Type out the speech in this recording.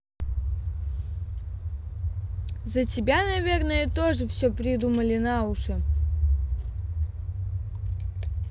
за тебя наверное тоже все придумали на уши